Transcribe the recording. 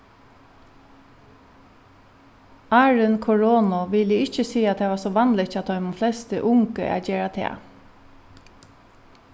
áðrenn koronu vil eg ikki siga tað var so vanligt hjá teimum flestu ungu at gera tað